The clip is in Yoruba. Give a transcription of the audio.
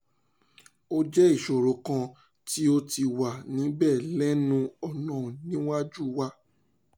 Ó jẹ́ ìṣòro kan tí ó ti wà níbẹ̀ lẹ́nu ọ̀nà níwájú wa.